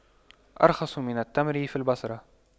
أرخص من التمر في البصرة